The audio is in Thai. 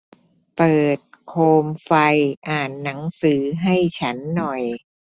เปิดโคมไฟอ่านหนังสือให้ฉันหน่อย